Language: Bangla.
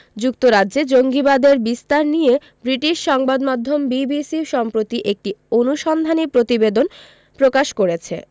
যুক্তরাজ্যে জঙ্গিবাদের বিস্তার নিয়ে ব্রিটিশ সংবাদমাধ্যম বিবিসি সম্প্রতি একটি অনুসন্ধানী প্রতিবেদন প্রকাশ করেছে